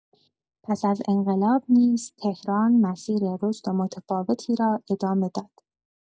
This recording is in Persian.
پس از انقلاب نیز تهران مسیر رشد متفاوتی را ادامه داد.